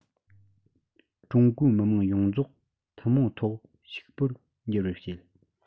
ཀྲུང གོའི མི དམངས ཡོངས རྫོགས ཐུན མོང ཐོག ཕྱུག པོར འགྱུར བར བྱེད